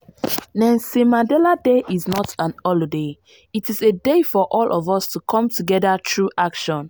Nelson Mandela Day is not a holiday – it is a day for all of us to all come together through action.